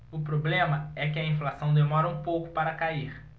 o problema é que a inflação demora um pouco para cair